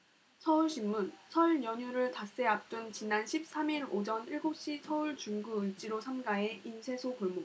서울신문 설 연휴를 닷새 앞둔 지난 십 삼 일 오전 일곱 시 서울 중구 을지로 삼 가의 인쇄소 골목